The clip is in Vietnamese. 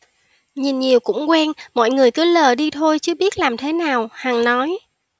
nhìn nhiều cũng quen mọi người cứ lờ đi thôi chứ biết làm thế nào hằng nói